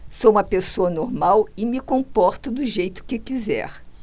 sou homossexual e me comporto do jeito que quiser